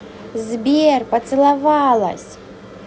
сбер поцеловалась